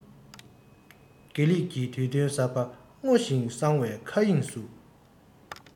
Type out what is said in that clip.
དགེ ལེགས ཀྱི དུས སྟོན གསར པ སྔོ ཞིང བསངས པའི མཁའ དབྱིངས སུ